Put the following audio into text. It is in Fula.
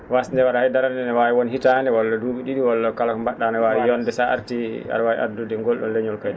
waasde wa?de hayadra ndee ne waawi won hitaande walla duu?i ?i walla kala ko mba??a ne waawi yonde so a artii a?a waawi addude ngol ?on leñol kadi